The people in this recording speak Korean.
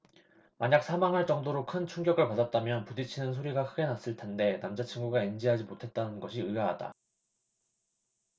만약 사망할 정도로 큰 충격을 받았다면 부딪치는 소리가 크게 났을 텐데 남자친구가 인지하지 못했다는 것이 의아하다